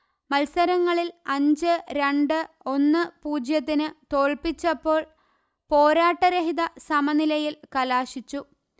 മല്സരങ്ങളിൽ അഞ്ച് രണ്ട് ഒന്ന്പൂജ്യത്തിന് തോല്പ്പിച്ചപ്പോൾ പോരാട്ട രഹിത സമനിലയിൽ കലാശിച്ചു